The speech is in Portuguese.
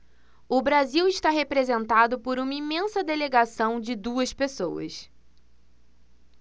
o brasil está representado por uma imensa delegação de duas pessoas